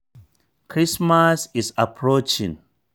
Christmas is approaching.